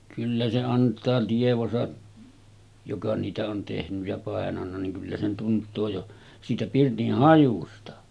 kyllä se antaa tietonsa joka niitä on tehnyt ja painanut niin kyllä se tuntee jo siitä pirtin hajusta